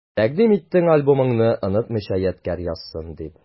Тәкъдим иттең альбомыңны, онытмыйча ядкарь язсын дип.